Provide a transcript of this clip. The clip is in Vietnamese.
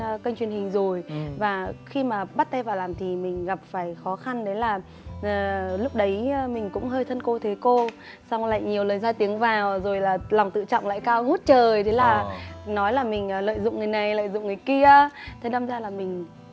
kênh truyền hình rồi và khi mà bắt tay vào làm thì mình gặp phải khó khăn đấy là lúc đấy mình cũng hơi thân cô thế cô song lại nhiều lời ra tiếng vào rồi là lòng tự trọng lại cao ngút trời thế là nói là mình lợi dụng người này lợi dụng người kia thế đâm ra là mình